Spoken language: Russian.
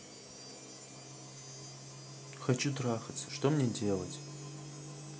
хочу трахаться что мне делать